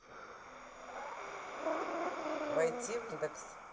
войти в яндекс